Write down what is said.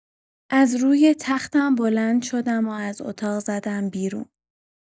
از روی تختم بلند شدم و از اتاق زدم بیرون.